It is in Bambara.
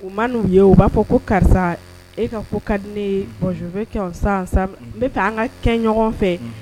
U ma'u ye u b'a fɔ ko karisa e ka fɔ ka di bɔnzofɛ kɛ san n bɛ an ka kɛ ɲɔgɔn fɛ